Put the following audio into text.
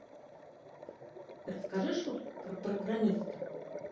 расскажи шутку про программиста